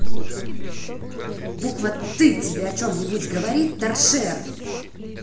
буква ты тебе о чем нибудь говорит торшер